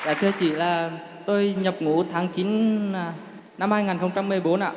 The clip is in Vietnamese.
dạ thưa chị là tôi nhập ngũ tháng chín năm hai ngàn không trăm mười bốn ạ